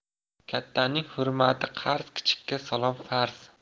kattaning hurmati qarz kichikka salom farz